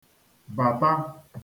-bàta